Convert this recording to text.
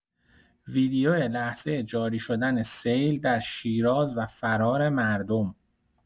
ویدئو لحظه جاری‌شدن سیل در شیراز و فرار مردم